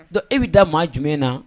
Donc e bɛ da maa jumɛn na